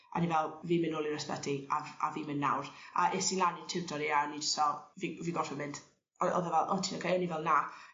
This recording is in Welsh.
o'n i fel fi'n mynd nôl ir ysbyty a- f- a fi'n myn' nawr a es i lan i tiwtor i a fi fi'n gorffo mynd o- o'dd e fel o ti'n occe? O'n i fel na